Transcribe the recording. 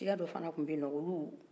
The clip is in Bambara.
dɔ fana tun bɛye nɔn olu